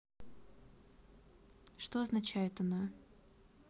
что означает она